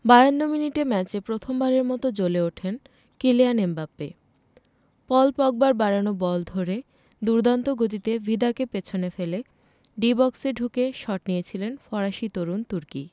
৫২ মিনিটে ম্যাচে প্রথমবারের মতো জ্বলে উঠেন কিলিয়ান এমবাপ্পে পল পগবার বাড়ানো বল ধরে দুর্দান্ত গতিতে ভিদাকে পেছনে ফেলে ডি বক্সে ঢুকে শট নিয়েছিলেন ফরাসি তরুণ তুর্কি